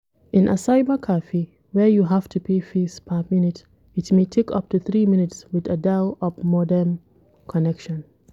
In a cybercafe, where you have to pay fees per minute, it may take up to 3 minutes with a dial up modem connection.